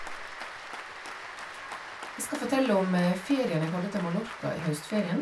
Jeg skal fortelle om ferien jeg hadde til Mallorca i høstferien.